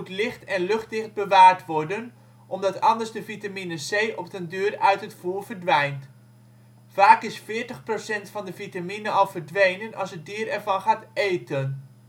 licht - en luchtdicht bewaard worden, omdat anders de vitamine C op den duur uit het voer verdwijnt. Vaak is 40 % van de vitamine al verdwenen als het dier ervan gaat eten